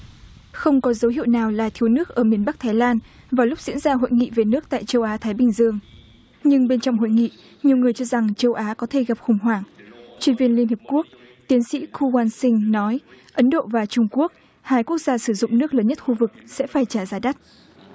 không có dấu hiệu nào là thiếu nước ở miền bắc thái lan vào lúc diễn ra hội nghị về nước tại châu á thái bình dương nhưng bên trong hội nghị nhiều người cho rằng châu á có thể gặp khủng hoảng chuyên viên liên hiệp quốc tiến sĩ cu oan sinh nói ấn độ và trung quốc hai quốc gia sử dụng nước lớn nhất khu vực sẽ phải trả giá đắt